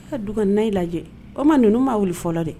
A ka du n' i lajɛ walima ma ninnu ma wuli fɔlɔ dɛ